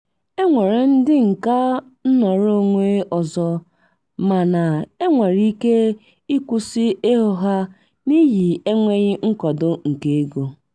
"E nwere ndị nkà nnoro onwe ọzọ, mana e nwere ike ịkwụsị ịhụ ha n'ihi enweghị nkwado nke ego.